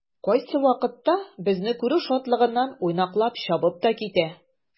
Кайсы вакытта безне күрү шатлыгыннан уйнаклап чабып та китә.